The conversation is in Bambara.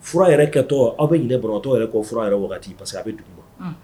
Fura yɛrɛ kɛtɔ aw bɛ nin barotɔ yɛrɛ kɔ fura yɛrɛ parce a bɛ dugu ma